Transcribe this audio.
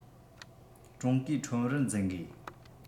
ཀྲུང གོའི ཁྲོམ རར འཛིན དགོས